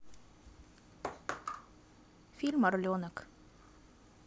фильм орленок